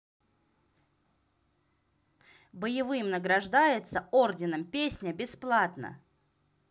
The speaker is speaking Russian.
боевым награждается орденом песня бесплатно